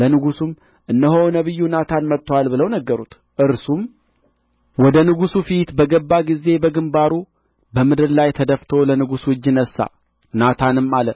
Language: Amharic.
ለንጉሡም እነሆ ነቢዩ ናታን መጥቶአል ብለው ነገሩት እርሱም ወደ ንጉሡ ፊት በገባ ጊዜ በግምባሩ በምድር ላይ ተደፍቶ ለንጉሡ እጅ ነሣ ናታንም አለ